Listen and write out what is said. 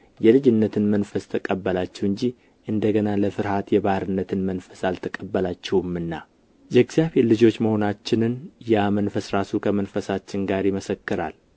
የልጅነት መንፈስ ተቀበላችሁ እንጂ እንደገና ለፍርሃት የባርነትን መንፈስ አልተቀበላችሁምና የእግዚአብሔር ልጆች መሆናችንን ያ መንፈስ ራሱ ከመንፈሳችን ጋር ይመሰክራል